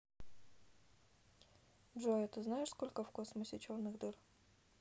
джой а ты знаешь сколько в космосе черных дыр